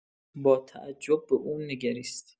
با تعجب به او نگریست.